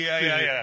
Ia ia ia.